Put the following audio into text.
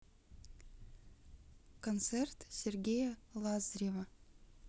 концерт сергея лазарева